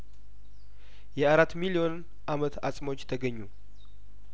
የአራት ሚሊዮን አመት አጽሞች ተገኙ